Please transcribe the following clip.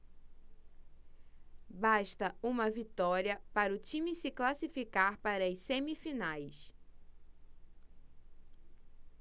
basta uma vitória para o time se classificar para as semifinais